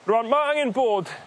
Rŵan ma' angen bod